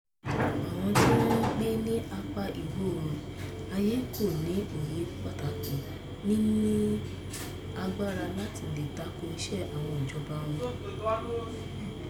"Àwọn tí wọ́n ń gbé ní apá ìwọ̀-oòrùn ayé kò ní òye pàtàkì níní agbára láti lè tako ìṣe àwọn ìjọba wọn.